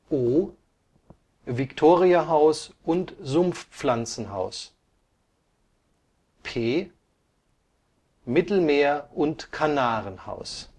O: Victoriahaus und Sumpfpflanzenhaus (bis Ende 2014 geschlossen) P: Mittelmeer - und Kanarenhaus